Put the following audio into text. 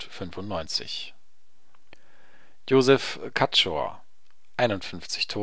95) Josef Kaczor, 51 (1974 –